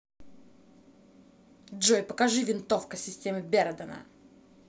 джой покажи винтовка системы бердана